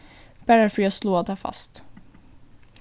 bara fyri at sláa tað fast